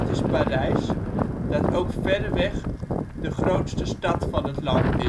is Parijs, verreweg de grootste stad van het land